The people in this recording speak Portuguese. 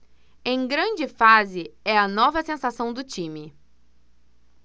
em grande fase é a nova sensação do time